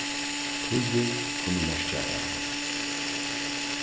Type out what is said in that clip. tíðir kunnu merkja æl